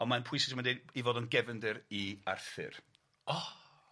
On' mae'n pwysig dy- mae'n deud 'i fod yn gefndir i Arthur. O!